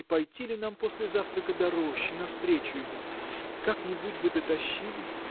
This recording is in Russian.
не пойти ли нам после завтрака до рощи навстречу ему как-нибудь бы дотащились